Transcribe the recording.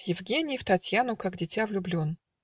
Евгений В Татьяну как дитя влюблен